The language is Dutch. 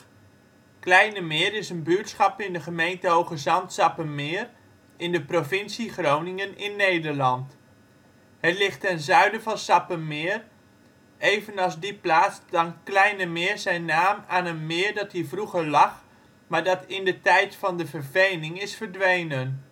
Klainmeer) is een buurtschap in de gemeente Hoogezand-Sappemeer in de provincie Groningen in Nederland. Het ligt ten zuiden van Sappemeer, evenals die plaats dankt Kleinemeer zijn naam aan een meer dat hier vroeger lag, maar dat in de tijd van de vervening is verdwenen